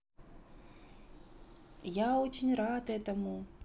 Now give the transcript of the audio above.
я очень рад этому